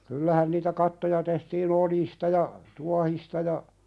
kyllähän niitä kattoja tehtiin oljista ja tuohista ja